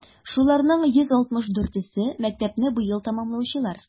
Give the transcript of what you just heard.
Шуларның 164е - мәктәпне быел тәмамлаучылар.